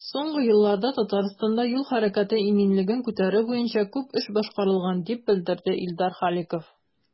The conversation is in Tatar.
Соңгы елларда Татарстанда юл хәрәкәте иминлеген күтәрү буенча күп эш башкарылган, дип белдерде Илдар Халиков.